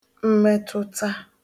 mmetụta